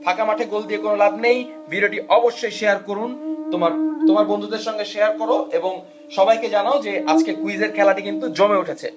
ফাঁকা মাঠে গোল দিয়ে কিন্তু কোন লাভ নেই ভিডিওটি অবশ্যই শেয়ার করুন তোমার বন্ধুদের সঙ্গে শেয়ার কর এবং সবাইকে জানাও যে আজকে কি যে খেলাটি কিন্তু জমে উঠেছে